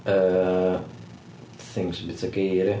Yy things sy'n byta geifr ia.